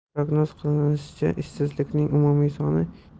prognoz qilinishicha ishsizlarning umumiy